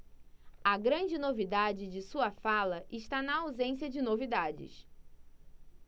a grande novidade de sua fala está na ausência de novidades